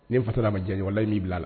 Ni fasa ma diya la mini bila a la